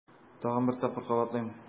Тагын бер тапкыр кабатлыйм: